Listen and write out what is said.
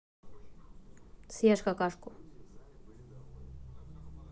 съешь какашку